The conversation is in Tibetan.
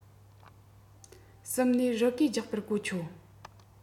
གསུམ ནས རི གས རྒྱག པར གོ ཆོད